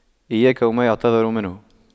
إياك وما يعتذر منه